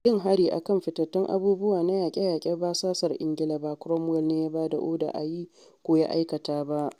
Yin hari a kan fitattun abubuwa na yaƙe-yaƙen basasar Ingila ba Cromwell ne ya ba da oda a yi ko ya aikata ba.